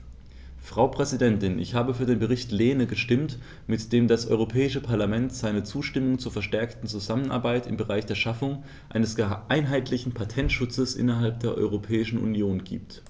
Frau Präsidentin, ich habe für den Bericht Lehne gestimmt, mit dem das Europäische Parlament seine Zustimmung zur verstärkten Zusammenarbeit im Bereich der Schaffung eines einheitlichen Patentschutzes innerhalb der Europäischen Union gibt.